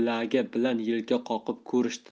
bilagi bilan yelka qoqib ko'rishdi